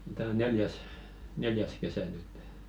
tämä on neljäs neljäs kesä nyt